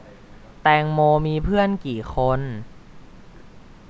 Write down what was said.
แตงโมมีเพื่อนกี่คน